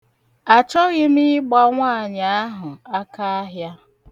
Achọghị m igba nwaanyị ahụ akaahịa.